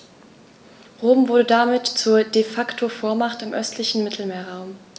Rom wurde damit zur ‚De-Facto-Vormacht‘ im östlichen Mittelmeerraum.